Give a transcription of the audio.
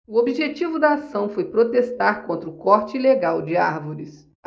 o objetivo da ação foi protestar contra o corte ilegal de árvores